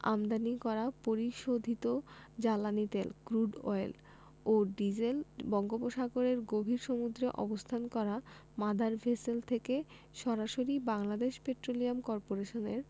আমদানি করা অপরিশোধিত জ্বালানি তেল ক্রুড অয়েল ও ডিজেল বঙ্গোপসাগরের গভীর সমুদ্রে অবস্থান করা মাদার ভেসেল থেকে সরাসরি বাংলাদেশ পেট্রোলিয়াম করপোরেশনের